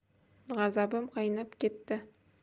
g'azabim qaynab ketdi